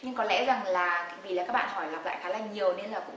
nhưng có lẽ rằng là vì là các bạn hỏi lặp lại khá là nhiều nên là cũng